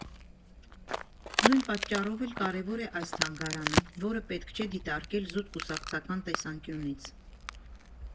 Նույն պատճառով էլ կարևոր է այս թանգարանը, որը պետք չէ դիտարկել զուտ կուսակցական տեսանկյունից։